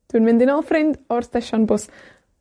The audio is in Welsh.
Dw i'n mynd i nôl, ffrind, o'r stesion bws.